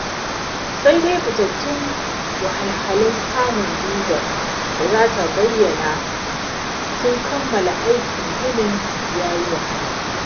Sai dai fitattun wahalhalun samun bizar da aka bayyana sun kammala aikin ginin ya yi wahala.